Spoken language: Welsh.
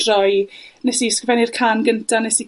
droi, nes i ysgrifennu'r cân gynta, nes i